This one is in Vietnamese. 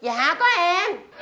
dạ có em